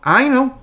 I know.